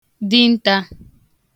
dinta